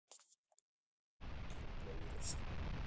кино про вирусы